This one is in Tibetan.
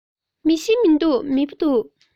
མེ ཤིང མི འདུག མེ ཕུ འདུག